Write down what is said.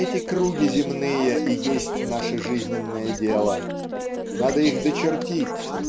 эти круги земные и есть наше жизненное дело надо их дочертить